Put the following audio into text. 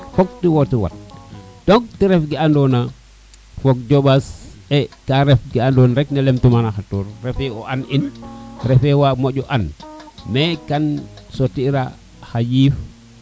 fok te woto wat fok te ref ke ando na fog jobas ka ref ke ando na rek ne lem tuma ne xatoor refe o an in refe wa moƴo an mais kan sotir la xa yiif